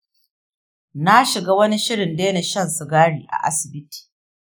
na shiga wani shirin daina shan sigari a asibiti.